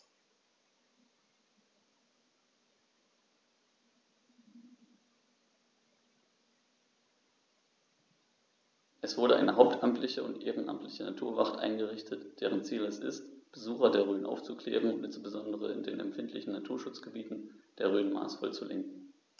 Es wurde eine hauptamtliche und ehrenamtliche Naturwacht eingerichtet, deren Ziel es ist, Besucher der Rhön aufzuklären und insbesondere in den empfindlichen Naturschutzgebieten der Rhön maßvoll zu lenken.